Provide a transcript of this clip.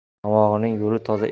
tomog'ining yo'li toza